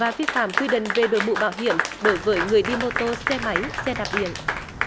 và vi phạm quy định về đội mũ bảo hiểm đối với người đi mô tô xe máy xe đạp điện